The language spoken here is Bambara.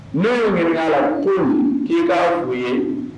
N'u y'i ɲiniŋ'a la kul k'i ka f'u ye